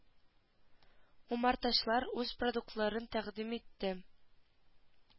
Умартачылар үз продуктларын тәкъдим итте